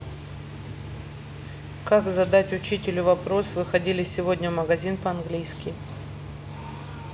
как задать учителю вопрос вы ходили сегодня в магазин по английски